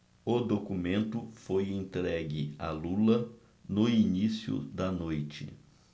o documento foi entregue a lula no início da noite